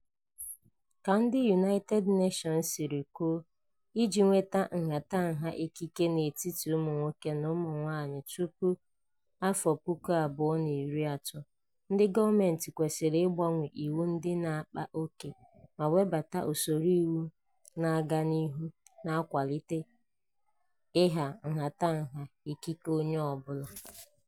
Dị ka ndị United Nations siri kwu, iji nweta nhatanha ikike n’etiti ụmụ nwoke na ụmụ nwaanyị tupu 2030, ndị gọọmentị kwesịrị ịgbanwe iwu ndị na-akpa oke ma webata usoro iwu na-aga n’ihu na-akwalite ịha nhatanha ikike onye ọbụla.